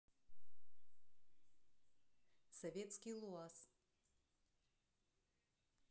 советский луаз